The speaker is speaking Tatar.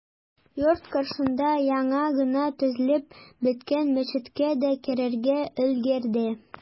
Йорт каршында яңа гына төзелеп беткән мәчеткә дә керергә өлгерде.